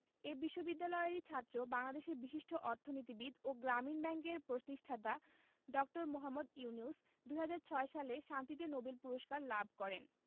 এ বিশ্ববিদ্যালয়েরই ছাত্র বাংলাদেশের বিশিষ্ট অর্থনীতিবিদ ও গ্রামীণ ব্যাংকের প্রতিষ্ঠাতা ড. মোহাম্মদ ইউনুস ২০০৬ সালে শান্তিতে নোবেল পূরস্কার লাভ করেন